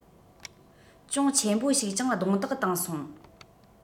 ཅུང ཆེན པོ ཞིག ཀྱང རྡུང རྡེག གཏང སོང